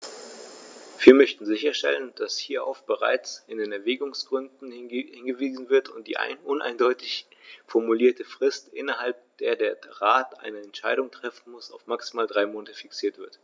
Wir möchten sicherstellen, dass hierauf bereits in den Erwägungsgründen hingewiesen wird und die uneindeutig formulierte Frist, innerhalb der der Rat eine Entscheidung treffen muss, auf maximal drei Monate fixiert wird.